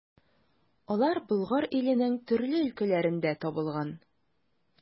Алар Болгар иленең төрле өлкәләрендә табылган.